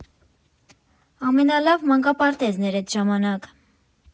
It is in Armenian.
Ամենալավ մանկապարտեզն էր էդ ժամանակ։